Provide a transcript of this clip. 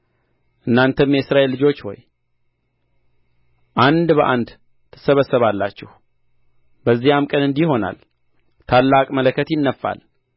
እናንተም የእስራኤል ልጆች ሆይ አንድ በአንድ ትሰበሰባላችሁ በዚያም ቀን እንዲህ ይሆናል ታላቅ መለከት ይነፋል